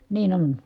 niin on